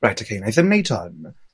reit ok wnai ddim neud hwn